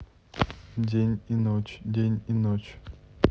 день и ночь день и ночь